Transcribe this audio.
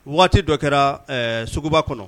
Waati dɔ kɛra ɛɛ suguba kɔnɔ